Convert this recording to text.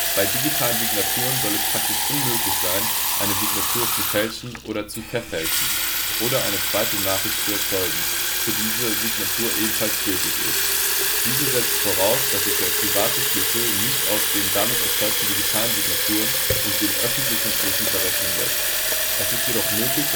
Bei digitalen Signaturen soll es praktisch unmöglich sein, eine Signatur zu fälschen oder zu verfälschen, oder eine zweite Nachricht zu erzeugen, für die diese Signatur ebenfalls gültig ist. Dies setzt voraus, dass sich der private Schlüssel nicht aus den damit erzeugten digitalen Signaturen und dem öffentlichen Schlüssel berechnen lässt. Es ist jedoch möglich